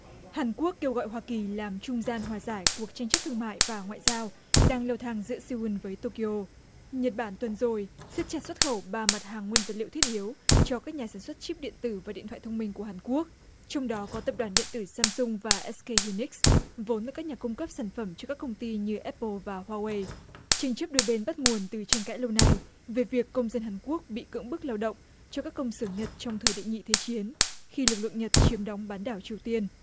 hàn quốc kêu gọi hoa kỳ làm trung gian hòa giải cuộc tranh chấp thương mại và ngoại giao đang leo thang giữa sê un với tô ky ô nhật bản tuần rồi siết chặt xuất khẩu ba mặt hàng nguyên vật liệu thiết yếu cho các nhà sản xuất chip điện tử và điện thoại thông minh của hàn quốc trong đó có tập đoàn điện tử sam sung và ét cây hi ních vốn với các nhà cung cấp sản phẩm chứa các công ty như ép pồ và hoa guây tranh chấp đôi bên bắt nguồn từ tranh cãi lâu nay về việc công dân hàn quốc bị cưỡng bức lao động cho các công xưởng nhật trong thời đệ nhị thế chiến khi lực lượng nhật chiếm đóng bán đảo triều tiên